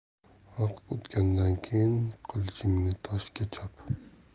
vaqt o'tgandan keyin qilichingni toshga chop